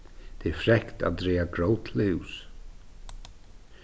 tað er frekt at draga grót til hús